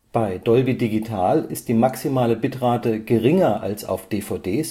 Bei Dolby Digital ist die maximale Bitrate geringer als auf DVDs